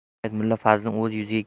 shu payt mulla fazliddin o'z yuziga